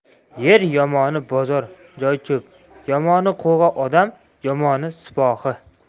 yer yomoni bozor joy cho'p yomoni qo'g'a odam yomoni sipohi